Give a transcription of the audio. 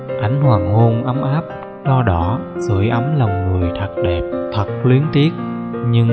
ánh hoàng hôn ấm áp đo đỏ sưởi ấm lòng người thật đẹp thật luyến tiếc nhưng